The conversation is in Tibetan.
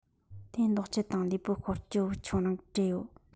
དེ འདོག སྤྱད དང ལུས པོའི འཁོར སྐྱོད བུག ཆུང རང དགར འབྲེལ ཡོད